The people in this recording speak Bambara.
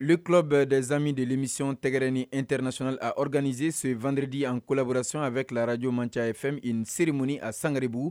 ku bɛɛ dezali delimiy tɛgɛrɛrɛn niersona a k2e so in2dedi an ko labɔrasifɛ tilarajoma ca ye fɛn in seere minnuuni a sangribu